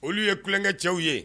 Olu ye nulonkɛ cɛw ye.